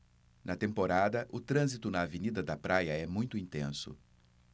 na temporada o trânsito na avenida da praia é muito intenso